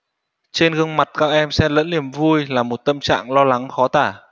trên gương mặt các em xen lẫn niềm vui là một tâm trạng lo lắng khó tả